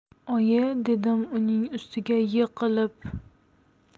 oyi dedim uning ustiga egilib